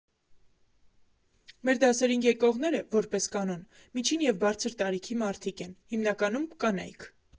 Մեր դասերին եկողները, որպես կանոն, միջին և բարձր տարիքի մարդիկ են, հիմնականում՝ կանայք։